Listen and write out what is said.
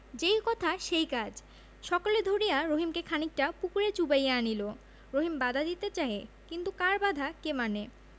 যেই কথা সেই কাজ সকলে ধরিয়া রহিমকে খনিকটা পুকুরে চুবাইয়া আনিল রহিম বাধা দিতে চাহে কিন্তু কার বাধা কে মানে